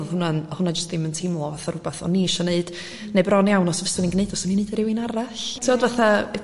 odd hwnna... odd hwnna jyst ddim yn teimlo fatha rwbath oni isio neud neu bron iawn os byswn i'n gneud o swni'n neud o i rywun arall t'od fatha